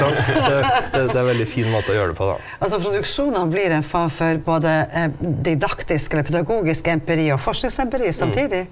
altså produksjonene blir en form for både didaktisk eller pedagogisk empri og forskningsempiri samtidig?